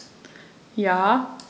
Ja.